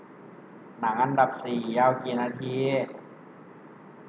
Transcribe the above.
หนังอันดับสี่ยาวกี่นาที